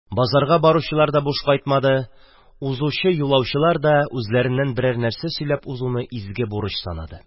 Базарга баручылар да буш кайтмады, узучы-йолаучылар да үзләреннән берәр сөйләп узуны изге бурыч санады.